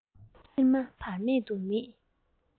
མཆིལ མ བར མེད དུ མིད